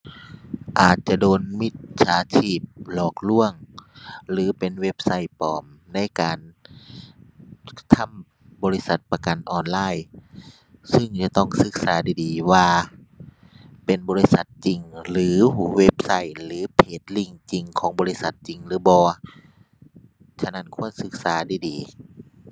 อาจจะโดนมิจฉาชีพหลอกลวงหรือเป็นเว็บไซต์ปลอมในการ ทำบริษัทประกันออนไลน์ ซึ่งจะต้องศึกษาดีดีว่าเป็นบริษัทจริงหรือเว็บไซต์หรือ page link จริงของบริษัทจริงหรือบ่ ฉะนั้นควรศึกษาดีดี